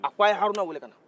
a ko a ye harouna wele ka na